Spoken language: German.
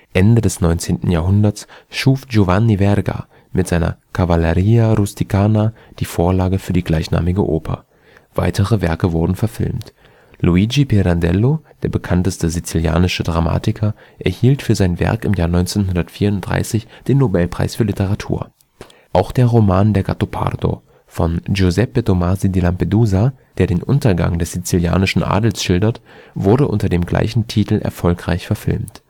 Ende des 19. Jahrhunderts schuf Giovanni Verga mit seiner Cavalleria rusticana die Vorlage für die gleichnamige Oper. Weitere Werke wurden verfilmt. Luigi Pirandello, der bekannteste sizilianische Dramatiker, erhielt für sein Werk im Jahr 1934 den Nobelpreis für Literatur. Auch der Roman Der Gattopardo von Giuseppe Tomasi di Lampedusa, der den Untergang des sizilianischen Adels schildert, wurde unter dem gleichen Titel erfolgreich verfilmt